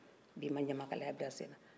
bi ma ɲamakalaya bila senna